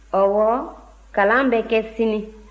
ɔwɔ kalan bɛ kɛ sini